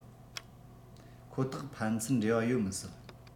ཁོ ཐག ཕན ཚུན འབྲེལ བ ཡོད མི སྲིད